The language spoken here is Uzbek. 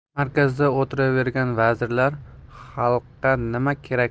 markazda o'tiravergan vazirlar xalqqa